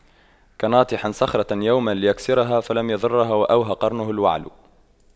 كناطح صخرة يوما ليكسرها فلم يضرها وأوهى قرنه الوعل